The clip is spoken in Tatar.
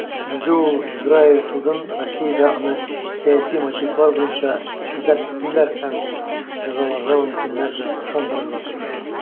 Үзе ул Израиль судын Россиядә аны сәяси мотивлар буенча эзәрлеклиләр һәм җәзаларга мөмкиннәр дип ышандырырга тырыша.